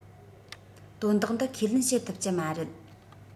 དོན དག འདི ཁས ལེན བྱེད ཐུབ ཀྱི མ རེད